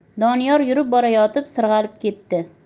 doniyor yurib borayotib sirg'alib ketdi